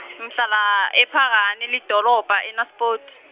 ngihlala ePhakani lidolobha eNaspoti.